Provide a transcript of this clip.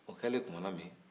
o kɛlen tumana min